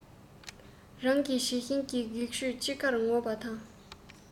རང གི བྱད བཞིན གྱི སྒེག ཆོས ཅི འགར ངོམ པ དང